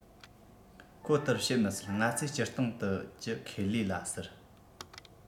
ཁོ ལྟར བྱེད མི སྲིད ང ཚོས སྤྱིར བཏང དུ གྱི ཁེ ལས ལ ཟེར